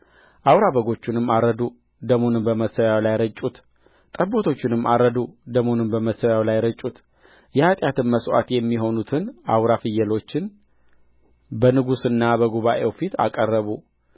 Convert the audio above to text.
አውራ በጎቹንም አረዱ ደሙንም በመሠዊያው ላይ ረጩት ጠቦቶቹንም አረዱ ደሙንም በመሠዊያው ላይ ረጩት የኃጢያትም መሥዋዕት የሚሆኑትን አውራ ፍየሎች በንጉሡና በጉባኤው ፊት አቀረቡ